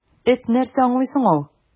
Эт нәрсә аңлый соң ул!